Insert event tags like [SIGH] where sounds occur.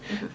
[HESITATION] [HESITATION]